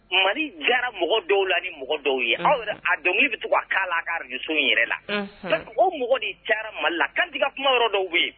Mali jara mɔgɔ dɔw la ni mɔgɔ dɔw ye aw yɛrɛ a dɔn bɛ to ka' la kaj in yɛrɛ la o mɔgɔ ni jara ma la kantigɛ kuma yɔrɔ dɔw bɛ yen